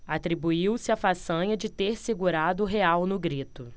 atribuiu-se a façanha de ter segurado o real no grito